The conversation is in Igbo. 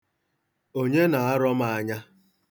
Onye na-arọ m anya?